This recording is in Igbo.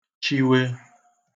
chiwe